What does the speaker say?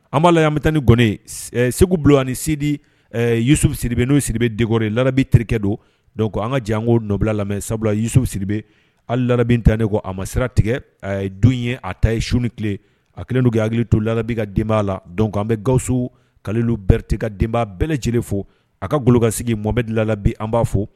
An b'a la an bɛ tan ni gnen segu bila ani sidisu siribe n'o siri bɛ dek labi terikɛ don an ka jan an ko nɔbila lamɛn sabulayisuw siribi hali labi ta ne kɔ a ma sira tigɛ ye don ye a ta ye su ni tile a kɛlen tun ka hakiliki to labi ka denbaya la dɔn an bɛ gaso kaale bereti ka denbaya bɛɛ lajɛlenele fo a ka golokasigi mɔmɛla bi an b'a fɔ